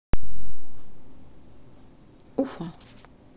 уфа